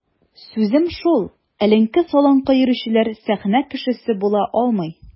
Сүзем шул: эленке-салынкы йөрүчеләр сәхнә кешесе була алмый.